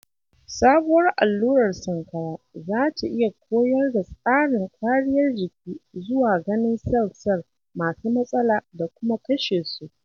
Sabuwar allurar sankara za ta iya koyar da tsarin kariyar jiki zuwa ‘ganin’ sel-sel masu matsala da kuma kashe su